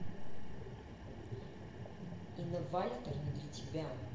инна вальтер не для тебя